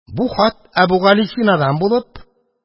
Бу хат Әбүгалисинадан булып